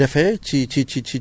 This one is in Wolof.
dafa am solo